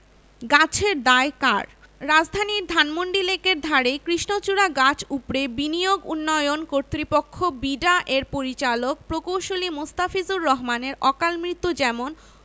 গাছের দায় কার রাজধানীর ধানমন্ডি লেকের ধারে কৃষ্ণচূড়া গাছ উপড়ে বিনিয়োগ উন্নয়ন কর্তৃপক্ষ বিডা এর পরিচালক প্রকৌশলী মোস্তাফিজুর রহমানের অকালমৃত্যু যেমন